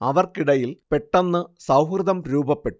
അവർക്കിടയിൽ പെട്ടെന്ന് സൗഹൃദം രൂപപ്പെട്ടു